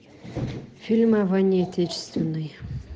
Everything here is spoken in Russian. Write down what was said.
фильмы о войне отечественной